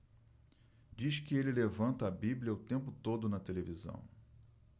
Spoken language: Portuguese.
diz que ele levanta a bíblia o tempo todo na televisão